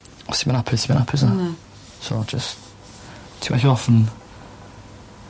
Os ti'm yn apus ti'm yn apus na? Na. So jyst ti off 'n...